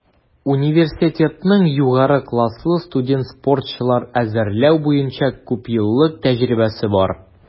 Университетның югары класслы студент-спортчылар әзерләү буенча күпьеллык тәҗрибәсе бар.